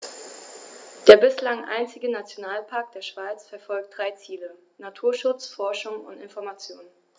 Der bislang einzige Nationalpark der Schweiz verfolgt drei Ziele: Naturschutz, Forschung und Information.